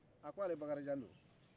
a ko ale bakaridjan do